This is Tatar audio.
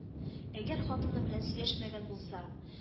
Әгәр хатыны белән сөйләшмәгән булса